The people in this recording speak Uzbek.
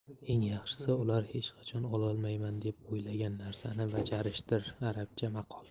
eng yaxshisi ular hech qachon qilolmayman deb o'ylagan narsani bajarishdir arabcha maqol